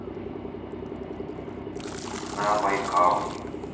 на байкал